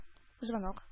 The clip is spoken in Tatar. Звонок